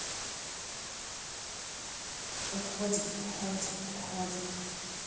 уходим уходим уходим